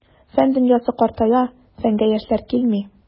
Фән дөньясы картая, фәнгә яшьләр килми.